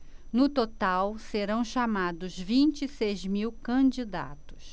no total serão chamados vinte e seis mil candidatos